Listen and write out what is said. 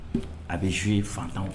A bɛ z ye fatanw